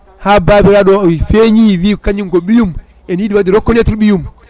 ha babiraɗo feeñi wi kañum ko ɓiyum ene yiiɗi wadde reconnaitre ɓiyum